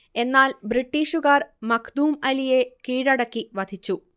എന്നാൽ ബ്രിട്ടീഷുകാർ മഖ്ദൂം അലിയെ കീഴടക്കി വധിച്ചു